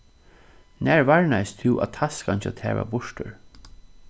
nær varnaðist tú at taskan hjá tær var burtur